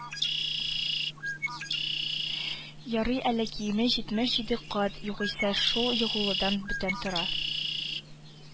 Ярый әле киеме җитмеш җиде кат, югыйсә шул егылудан бүтән тора